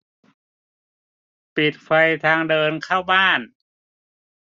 ปิดไฟทางเดินเข้าบ้าน